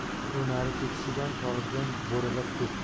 u nari ketishi bilan tolibjon bo'ralab so'kdi